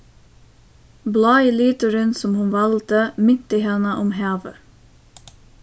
blái liturin sum hon valdi minti hana um havið